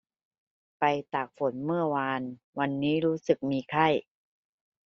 ไปตากฝนเมื่อวานวันนี้รู้สึกมีไข้